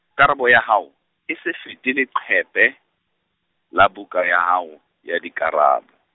karabo ya hao, e se fete leqephe, la buka ya hao, ya dikarabo.